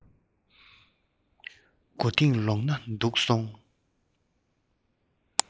མགོ རྟིང ལོག ན སྡུག སོང